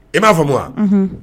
I m'a fɔ mun wa